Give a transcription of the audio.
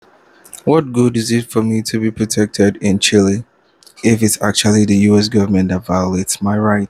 What good is it for me to be protected in Chile if it's actually the US government that's violating my rights?